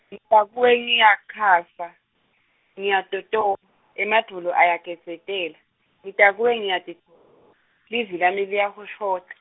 ngita kuwe ngiyakhasa, Ngiyatoto-, emadvolo ayagedzetela, ngita kuwe ngiyati , livi lami liyahoshota.